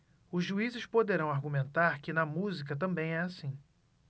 os juízes poderão argumentar que na música também é assim